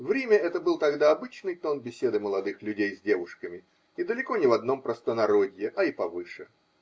В Риме это был тогда обычный тон беседы молодых людей с девушками, и далеко не в одном простонародье, а и повыше.